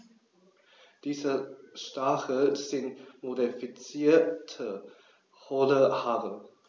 Diese Stacheln sind modifizierte, hohle Haare.